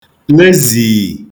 le zìì